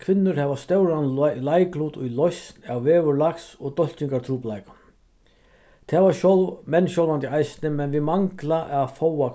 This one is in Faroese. kvinnur hava stóran leiklut í loysn av veðurlags- og dálkingartrupulleikum tað var sjálv menn sjálvandi eisini men vit mangla at fáa